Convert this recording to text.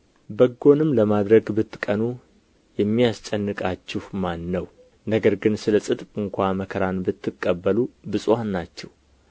በጎንም ለማድረግ ብትቀኑ የሚያስጨንቃችሁ ማን ነው ነገር ግን ስለ ጽድቅ እንኳ መከራን ብትቀበሉ ብፁዓን ናችሁ